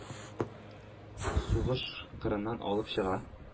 Сугыш кырыннан алып чыга.